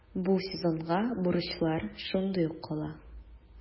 Бу сезонга бурычлар шундый ук кала.